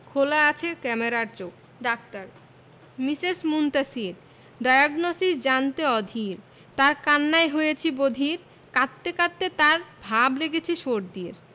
খোলা আছে ক্যামেরার চোখ ডাক্তার মিসেস মুনতাসীর ডায়োগনসিস জানতে অধীর তার কান্নায় হয়েছি বধির কাঁদতে কাঁদতে তার ভাব লেগেছে সর্দির